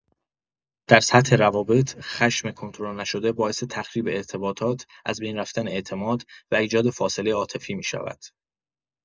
در سطح روابط، خشم کنترل‌نشده باعث تخریب ارتباطات، از بین رفتن اعتماد و ایجاد فاصله عاطفی می‌شود.